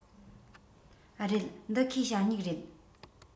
རེད འདི ཁོའི ཞ སྨྱུག རེད